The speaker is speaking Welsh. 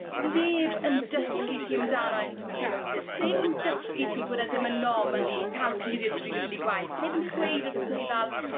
sneb yn dysgu ti amdano endometriosis... Na. ...sneb yn dysgu ti bod e ddim yn normal i ca'l periods rili rili gwael sneb yn gweud wrthot ti fel